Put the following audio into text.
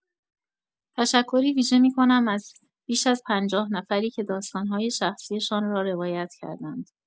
تشکری ویژه می‌کنم از بیش از پنجاه‌نفری که داستان‌های شخصی‌شان را روایت کردند.